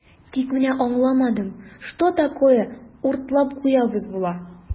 Тик менә аңламадым, что такое "уртлап куябыз" була?